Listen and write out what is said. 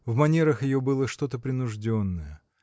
в манерах ее было что-то принужденное.